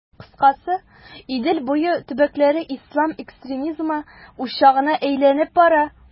Кыскасы, Идел буе төбәкләре ислам экстремизмы учагына әйләнә бара.